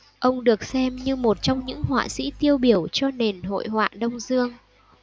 ông được xem như một trong những họa sĩ tiêu biểu cho nền hội họa đông dương